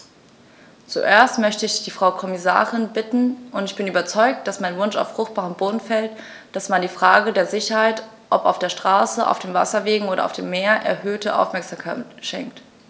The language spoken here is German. Zuerst möchte ich die Frau Kommissarin bitten - und ich bin überzeugt, dass mein Wunsch auf fruchtbaren Boden fällt -, dass man der Frage der Sicherheit, ob auf der Straße, auf den Wasserwegen oder auf dem Meer, erhöhte Aufmerksamkeit schenkt.